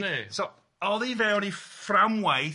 Felly, so oddi fe o'n ei fframwaith